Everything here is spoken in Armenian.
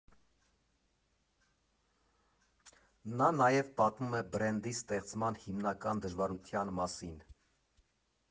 Նա նաև պատմում է բրենդի ստեղծման հիմնական դժվարության մասին.